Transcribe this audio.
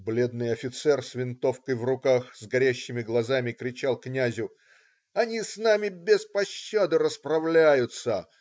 Бледный офицер, с винтовкой в руках, с горящими глазами, кричал князю: "Они с нами без пощады расправляются!